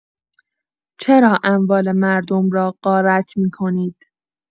چرا اموال مردم را غارت می‌کنید؟!